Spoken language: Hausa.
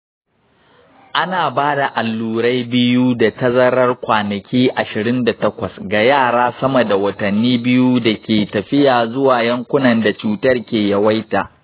ana ba da allurai biyu da tazarar kwanaki ashirin da takwas ga yara sama da watanni biyu da ke tafiya zuwa yankunan da cutar ke yawaita.